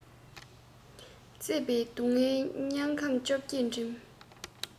བཙས པའི སྡུག སྔལ མྱལ ཁམས བཅོ བརྒྱད འགྲིམ